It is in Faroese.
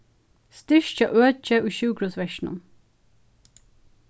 styrkja økið í sjúkrahúsverkinum